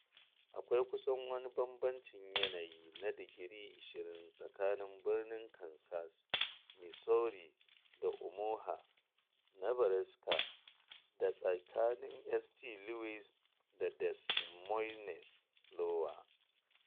Akwai kusan wani bambancin yanayi na digiri 20 tsakanin Birnin Kansas, Missouri, da Omaha, Nebraska, da tsakanin St. Louis da Des Moines, Iowa.